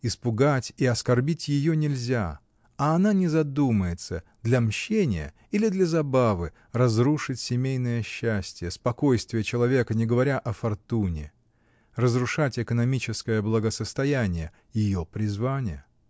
Испугать и оскорбить ее нельзя, а она не задумается, для мщения или для забавы, разрушить семейное счастие, спокойствие человека, не говоря о фортуне: разрушать экономическое благосостояние — ее призвание.